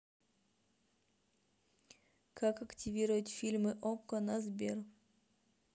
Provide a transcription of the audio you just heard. как активировать фильмы okko на сбер